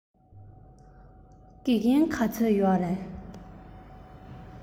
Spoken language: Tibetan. ང ཚོའི སློབ གྲྭར སློབ ཕྲུག ༤༠༠༠ ལྷག ཙམ ཡོད རེད